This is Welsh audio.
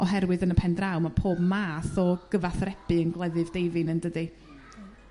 Oherwydd yn y pen draw ma' pob math o gyfathrebu'n gleddyf deufin yndydi?